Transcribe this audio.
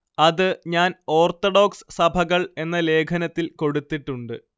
അത് ഞാൻ ഓർത്തഡോക്സ് സഭകൾ എന്ന ലേഖനത്തിൽ കൊടുത്തിട്ടുണ്ട്